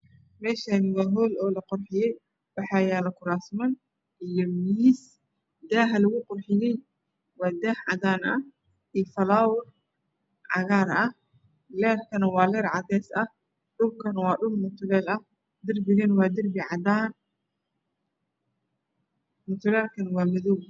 Meshan waa hol laqurxiyay waxa yala kurasman iyo mis daha lagu qurxiyay waa dah cadan ah iyo falawar cadan ah lerkana waa ler cades ah dhulkana waa dhul mutulel ah darbika waa darbi cadan mutulelkana waa madow